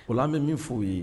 O an bɛ min f fɔ'o ye